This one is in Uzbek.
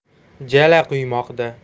jala quymoqda